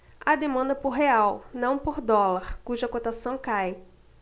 há demanda por real não por dólar cuja cotação cai